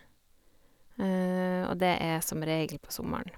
Og det er som regel på sommeren.